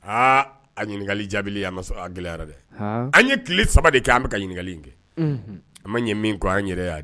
Aa a ɲininkali jaabi a ma sɔn a gɛlɛyayara dɛ an ye tile saba de kɛ an bɛka ka ɲininkakali kɛ an ma ɲɛ min kɔ an yɛrɛ' ye